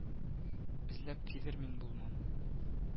Эзләп килер мин булмам